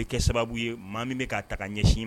kɛ sababu ye maa min bɛ k'a ta ka ɲɛsin ma.